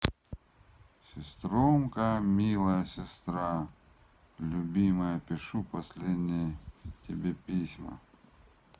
систром ка милая сестра любимая пишу последний тебе письма